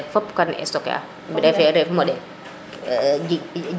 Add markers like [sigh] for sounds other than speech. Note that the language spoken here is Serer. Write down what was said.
fop kan stocke a refe ref moɗel [hesitation]